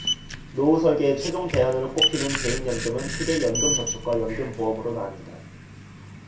노후설계의 최종 대안으로 꼽히는 개인연금은 크게 연금저축과 연금보험으로 나뉜다